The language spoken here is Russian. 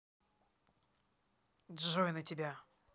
джой на тебя